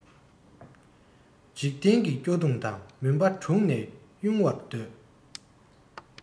འཇིག རྟེན གྱི སྐྱོ གདུང དང མུན པ དྲུངས ནས དབྱུང བར འདོད